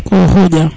ko xoƴa